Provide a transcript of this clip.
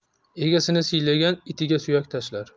egasini siylagan itiga suyak tashlar